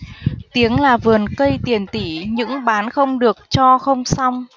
tiếng là vườn cây tiền tỷ những bán không được cho không xong